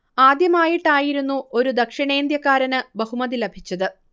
ആദ്യമായിട്ടായിരുന്നു ഒരു ദക്ഷിണേന്ത്യക്കാരന് ബഹുമതി ലഭിച്ചത്